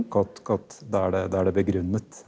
godt godt da er det da er det begrunnet.